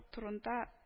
Турында